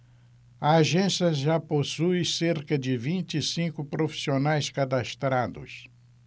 a agência já possui cerca de vinte e cinco profissionais cadastrados